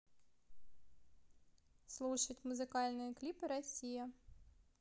слушать музыкальные клипы россия